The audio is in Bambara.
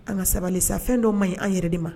An ka sabali sa fɛn dɔ man ye an yɛrɛ de ma